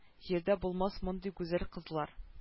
Җирдә булмас мондый гүзәл кызлар